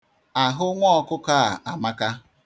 Ahụ nwa ọkụkọ a amaka.